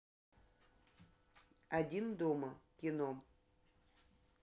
один дома кино